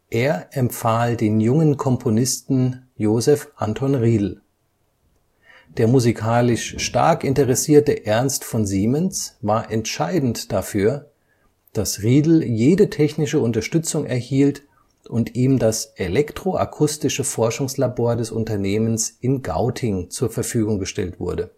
Er empfahl den jungen Komponisten Josef Anton Riedl. Der musikalisch stark interessierte Ernst von Siemens war entscheidend dafür, dass Riedl jede technische Unterstützung erhielt und ihm das elektroakustische Forschungslabor des Unternehmens in Gauting zur Verfügung gestellt wurde